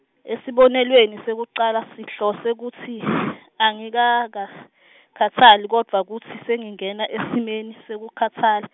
esibonelweni sekucala sihlose kutsi, angikakha- -khatsali, kodvwa kutsi sengingena esimeni, sekukhatsala.